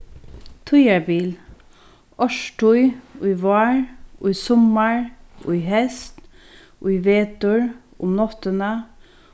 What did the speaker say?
tíðarbil árstíð í vár í summar í heyst í vetur um náttina